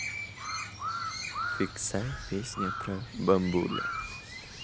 фиксай песня про бамбуля